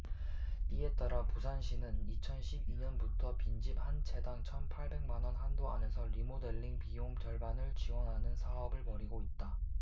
이에 따라 부산시는 이천 십 이 년부터 빈집 한 채당 천 팔백 만원 한도 안에서 리모델링 비용 절반을 지원하는 사업을 벌이고 있다